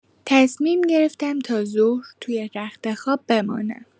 تصمیم گرفتم تا ظهر توی رختخواب بمانم.